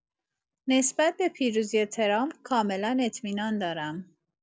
نسبت به پیروزی ترامپ کاملا اطمینان دارم.